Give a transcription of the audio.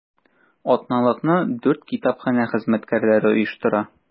Атналыкны дүрт китапханә хезмәткәрләре оештыра.